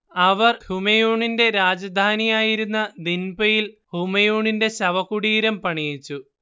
അവർ ഹുമയൂണിന്റെ രാജധാനിയായിരുന്ന ദിൻപയിൽ ഹുമയൂണിന്റെ ശവകുടീരം പണിയിച്ചു